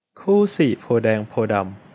คู่สี่โพธิ์แดงโพธิ์ดำ